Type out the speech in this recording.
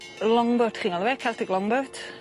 Longboat chi'n galw fe Celtic Longboat.